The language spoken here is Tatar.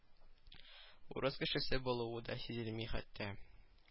Урыс кешесе булуы да сизелми хәтта